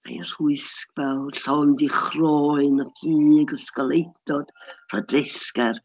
Mae o'n rhwysgfawr, llond ei chroen, y ffug ysgolheictod rhodresgar.